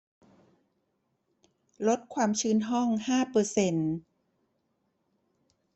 ลดความชื้นห้องห้าเปอร์เซ็นต์